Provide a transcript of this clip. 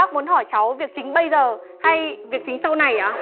bác muốn hỏi cháu việc chính bây giờ hay việc chính sau này ạ